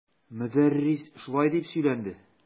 Мөдәррис шулай дип сөйләнде.